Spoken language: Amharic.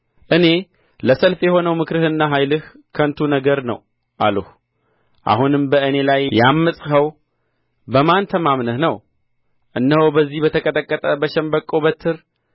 እኔ ለሰልፍ የሆነው ምክርህና ኃያልህ ከንቱ ነገር ነው አልሁ አሁንም በእኔ ላይ ያመፅኸው በማን ተማምነህ ነው እነሆ በዚህ በተቀጠቀጠ በሸምበቆ በትር